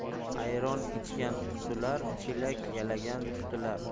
ayron ichgan qutular chelak yalagan tutilar